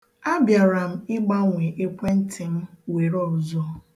Abịara m ịgbanwe ekwentị m were ọzọ.